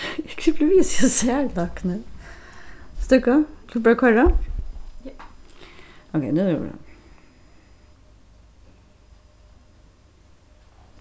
hví eg blívi við at siga støðga skulu vit bara koyra ókey